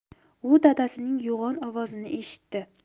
u dadasining yo'g'on ovozini eshitdi